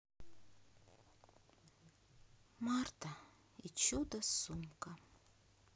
марта и чудо сумка